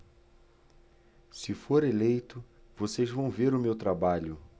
se for eleito vocês vão ver o meu trabalho